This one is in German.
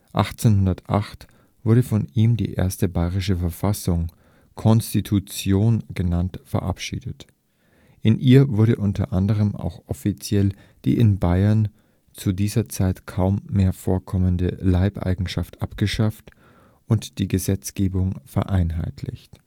1808 wurde von ihm die erste bayerische Verfassung, Konstitution genannt, verabschiedet. In ihr wurde unter anderem auch offiziell die in Bayern zu dieser Zeit kaum mehr vorkommende Leibeigenschaft abgeschafft und die Gesetzgebung vereinheitlicht